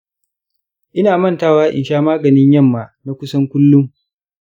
ina mantawa in sha maganin yamma na kusan kullun.